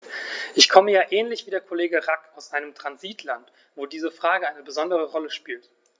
Ich komme ja ähnlich wie der Kollege Rack aus einem Transitland, wo diese Frage eine besondere Rolle spielt.